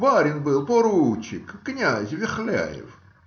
барин был, поручик князь Вихляев